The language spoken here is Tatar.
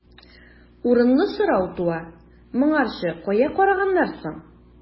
Урынлы сорау туа: моңарчы кая караганнар соң?